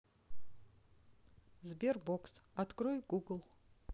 sberbox открой google